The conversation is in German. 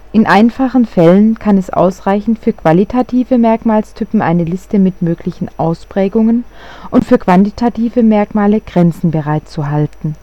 In einfachen Fällen kann es ausreichen für qualitative Merkmalstypen eine Liste mit möglichen Ausprägungen und für quantitative Merkmale Grenzen bereitzuhalten